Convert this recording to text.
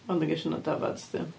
Ond dwi'n gesio na dafads 'di o?